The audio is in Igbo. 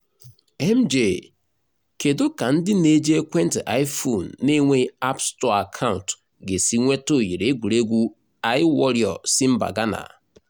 MJ: Kedu ka ndị na-eji ekwentị iPhone na-enweghi App Store akaụntụ ga-esi nweta oyiri egwuregwu iWarrior si mba Gana?